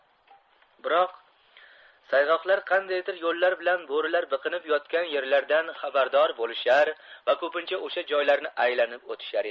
biroq sayg'oqlar qandaydir yo'llar bilan bo'rilar biqinib yotgan yerlardan xabardor bo'lishar va ko'pincha o'sha joylami aylanib o'tishar edi